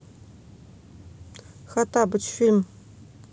хоттабыч фильм